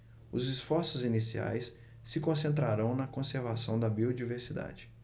os esforços iniciais se concentrarão na conservação da biodiversidade